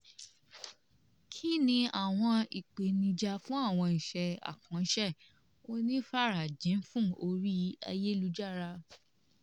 Kínni àwọn ìpènijà fún àwọn iṣẹ́-àkànṣe onífarajìnfún orí ayélujára?